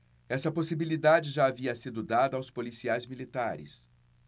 essa possibilidade já havia sido dada aos policiais militares